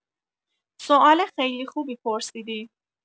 سوال خیلی خوبی پرسیدی.